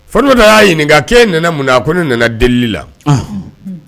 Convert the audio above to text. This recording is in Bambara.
Fo nana y'a ɲininka'e nana mun na a ko ne nana delieli la